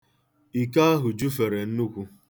Iko ahụ jufere nnukwu.